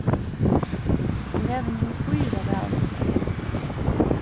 tú hevur nú fýra valmøguleikar